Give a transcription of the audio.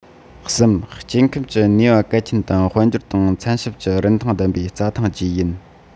གསུམ སྐྱེ ཁམས ཀྱི ནུས པ གལ ཆེན དང དཔལ འབྱོར དང ཚན ཞིབ ཀྱི རིན ཐང ལྡན པའི རྩྭ ཐང བཅས ཡིན